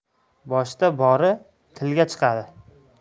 boshda bori tilga chiqadi